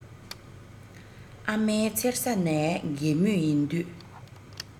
ཨ མའི མཚེར ས ནས རྒས མུས ཡིན དུས